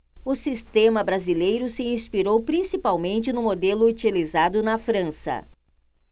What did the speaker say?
o sistema brasileiro se inspirou principalmente no modelo utilizado na frança